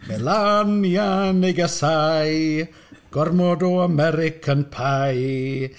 Melania'n ei gasau, gormod o American Pie.